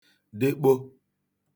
dekpo